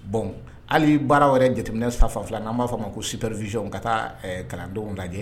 Bon hali baara wɛrɛ jateminɛ ka fan fɛ la, n'an b'a f'a ma ko supervision ka taa kalandenw lajɛ